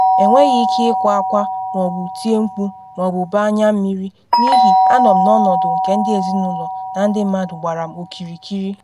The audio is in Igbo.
Enweghị ike ịkwa akwa ma ọ bụ tie mkpu ma ọ bụ bee anya mmiri n’ihi anọ m n’ọnọdụ nke ndị ezinụlọ na ndị mmadụ gbara m okirikiri.